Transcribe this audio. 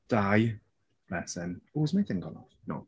Dai. Bless him. Oh has my thing gone off? No.